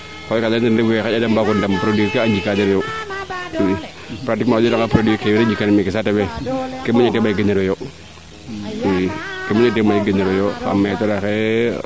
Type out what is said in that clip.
xooyka den ten refu yee xaƴa de mbaago ndam produit ke a njikaa deneyo i partiquement o ndeeta nga produit ke weena njikan mene saafe fee kee moƴna tee may genar we yoo ii kee moƴna tee may genar we yoo fo xa maitre axe